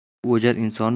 suv o'jar inson